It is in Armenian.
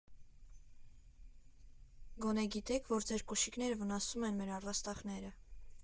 Գոնե գիտե՞ք, որ ձեր կոշիկները վնասում են մեր առաստաղները։